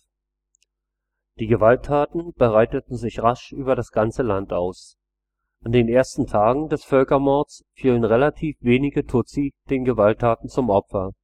Die Gewalttaten breiteten sich rasch über das ganze Land aus. In den ersten Tagen des Völkermords fielen relativ wenige Tutsi den Gewalttaten zum Opfer